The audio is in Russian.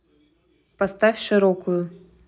поставь широкую